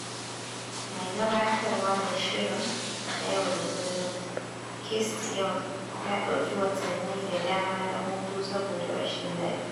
Mai gabatarwa da shirin na yau da kullum, Kirsty Young, ya dauki watanni da dama na hutu saboda rashin lafiya.